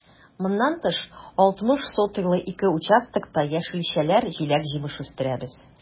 Моннан тыш, 60 сотыйлы ике участокта яшелчәләр, җиләк-җимеш үстерәбез.